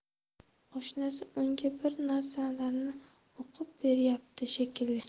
oshnasi unga bir narsalarni o'qib beryapti shekilli